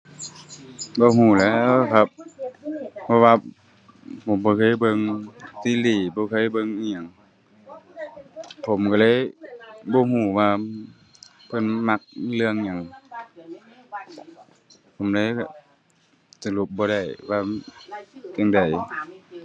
บ่รู้แหล้วครับ เพราะว่าผมบ่เคยเบิ่งซีรีส์ บ่เคยเบิ่งอิหยัง ผมรู้เลยบ่รู้ว่าเพิ่นมักเรื่องหยัง ผมเลยสรุปบ่ได้ว่าเรื่องใด